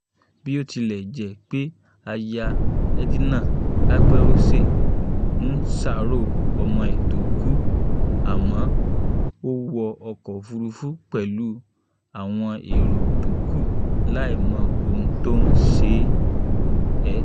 Bí ó tilẹ̀ jẹ́ pé Aya Ednan-Laperouse ń ṣàárò ọmọ e tó kú, àmọ́ ó wọ ọkọ̀-òfúrufú pẹ̀lú àwọn èrò tó kù láìmọ ohun tó ṣee ẹ́.